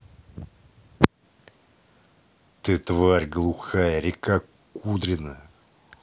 ты тварь глухая река кудрина